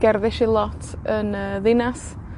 Gerddish i lot yn y ddinas.